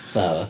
Lladd o.